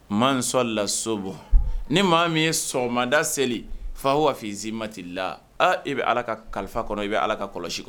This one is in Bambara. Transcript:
Ma sɔn lasobɔ ni maa min ye sɔn sɔgɔmada seli fa waatifini matila i bɛ ala ka kalifa kɔnɔ i bɛ ala ka kɔlɔsi